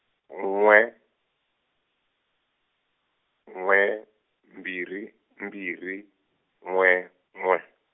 n'we n'we mbirhi mbirhi n'we n'we.